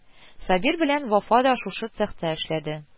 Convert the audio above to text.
Сабир белән Вафа да шушы цехта эшләде